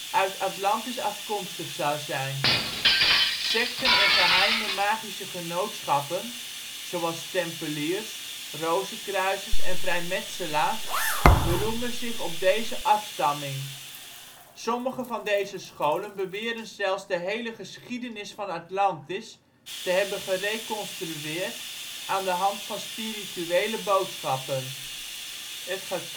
uit Atlantis afkomstig zou zijn. Sekten en geheime magische genootschappen zoals Tempeliers, Rozekruisers en Vrijmetselaars beroemen zich op deze afstamming. Sommige van deze scholen beweren zelfs de hele geschiedenis van Atlantis te hebben gereconstrueerd aan de hand van spirituele boodschappen. Edgar